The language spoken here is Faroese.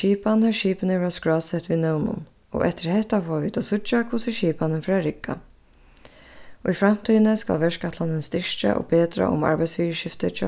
skipan har skipini verða skrásett við nøvnum og eftir hetta fáa vit at síggja hvussu skipanin fer at rigga í framtíðini skal verkætlanin styrkja og betra um arbeiðsviðurskifti hjá